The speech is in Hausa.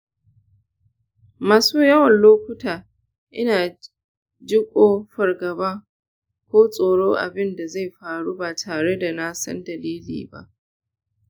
masu yawan lokuta ina jiko fargaba ko tsoron abin da zai faru ba tare da na san dalili ba.